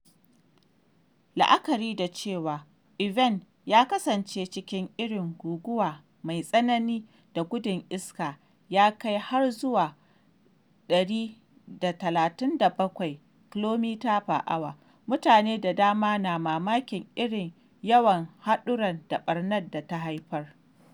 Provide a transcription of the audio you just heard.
La’akari da cewa Ivan ya kasance cikin irin guguwa mai tsanani da gudun iska ya kai har zuwa 137 km/h, mutane da dama na mamakin irin yawan haɗurra da ɓarna da ta haifar.